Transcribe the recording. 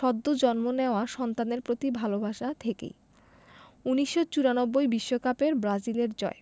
সদ্য জন্ম নেওয়া সন্তানের প্রতি ভালোবাসা থেকেই ১৯৯৪ বিশ্বকাপের ব্রাজিলের জয়